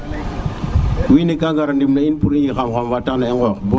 wiin we ga ngar a ndim le a in pur i njeng xam xam fa tax na i ŋox